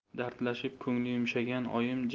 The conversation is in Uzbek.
dardlashib ko'ngli yumshagan oyim